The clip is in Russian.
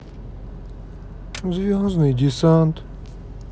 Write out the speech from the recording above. звездный десант